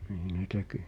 niin ne teki